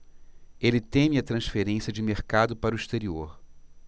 ele teme a transferência de mercado para o exterior